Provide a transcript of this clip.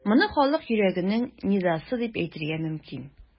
Моны халык йөрәгенең нидасы дип әйтергә мөмкин.